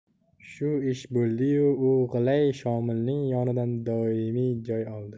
shu shu bo'ldi yu u g'ilay shomilning yonidan doimiy joy oldi